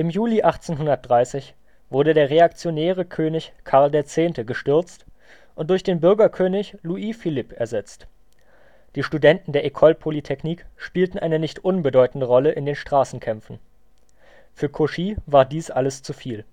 Juli 1830 wurde der reaktionäre König Karl X. gestürzt und durch den " Bürgerkönig " Louis Philippe ersetzt. Die Studenten der École Polytechnique spielten eine nicht unbedeutende Rolle in den Straßenkämpfen. Für Cauchy war dies alles zu viel